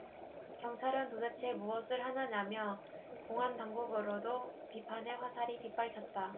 경찰은 도대체 무엇을 하느냐며 공안당국으로도 비판의 화살이 빗발쳤다